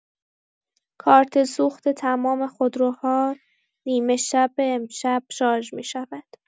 کارت سوخت تمام خودروها نیمه‌شب امشب شارژ می‌شود.